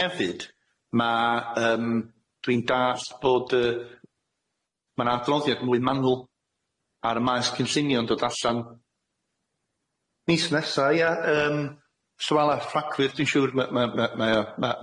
hefyd ma' yym dwi'n dall' bod yy ma' na adroddiad mwy manwl ar y maes cynllunio'n dod allan mis nesa ia yym so Llywala rhagfyr dwi'n siŵr ma' ma' ma' mae o ma'